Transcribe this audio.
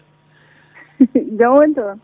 jam woni toon